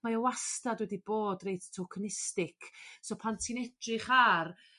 mae o wastad wedi bod reit tockenistic so pan ti'n edrych ar